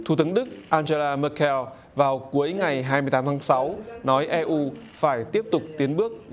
thủ tướng đức an re la mơ keo vào cuối ngày hai mươi tám tháng sáu nói e u phải tiếp tục tiến bước